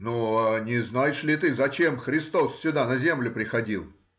— Ну, а не знаешь ли ты, зачем Христос сюда на землю приходил?